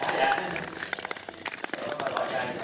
dạ ủa ba gọi cho ai vậy ba